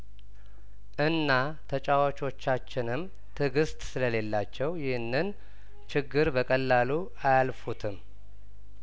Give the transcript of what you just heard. እና ተጫዋቾቻችንም ትእግስት ስለሌላቸው ይህንን ችግር በቀላሉ አያልፉትም